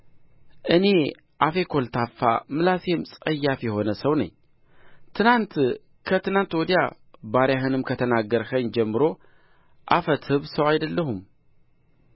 እኔ አፌ ኰልታፋ ምላሴም ጸያፍ የሆነ ሰው ነኝ ትናንት ከትናንት ወዲያ ባሪያህንም ከተናገርኸኝ ጀምሮ አፈ ትብ ሰው አይደለሁም